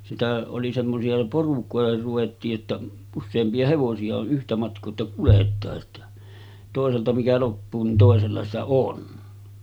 sitä oli semmoisia porukoihin ruvettiin että useampia hevosia on yhtä matkaa että kuljetaan että toiselta mikä loppuu niin toisella sitä sitä on